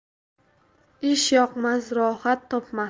ishyoqmas rohat topmas